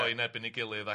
droi yn erbyn ei gilydd